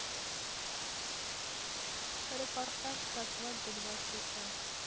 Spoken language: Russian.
репортаж со свадьбы два часа